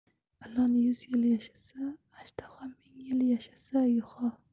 ilon yuz yil yashasa ajdaho ming yil yashasa yuho